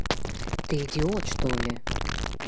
идиоты что ли